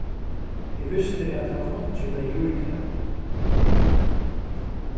eg visti at hann einki legði í tað